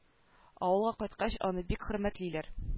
Авылга кайткач аны бик хөрмәтлиләр